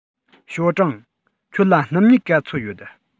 ཞའོ ཀྲང ཁྱོད ལ སྣུམ སྨྱུག ག ཚོད ཡོད